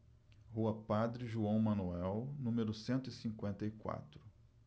rua padre joão manuel número cento e cinquenta e quatro